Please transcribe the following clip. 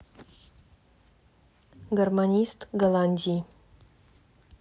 гармонист голландии